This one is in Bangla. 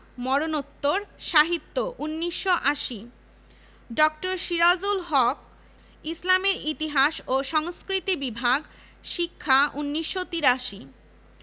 মরণোত্তর সাহিত্য ১৯৮০ ড. সিরাজুল হক ইসলামের ইতিহাস ও সংস্কৃতি বিভাগ শিক্ষা ১৯৮৩